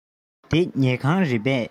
འདི ཉལ ཁང རེད པས